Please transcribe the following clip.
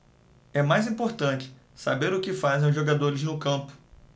é mais importante saber o que fazem os jogadores no campo